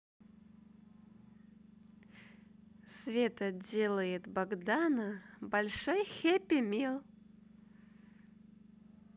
света делает богдана большой happy meal